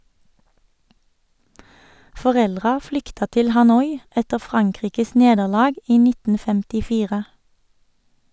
Foreldra flykta til Hanoi etter Frankrikes nederlag i 1954.